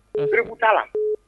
Ntigiwku' la